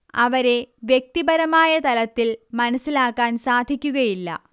അവരെ വ്യക്തിപരമായ തലത്തിൽ മനസ്സിലാക്കാൻ സാധിക്കുകയില്ല